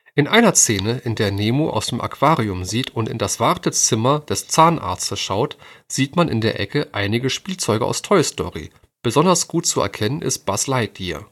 In einer Szene, in der Nemo aus dem Aquarium sieht und in das Wartezimmer des Zahnarztes schaut, sieht man in der Ecke einige Spielzeuge aus „ Toy Story “, besonders gut zu erkennen ist Buzz Lightyear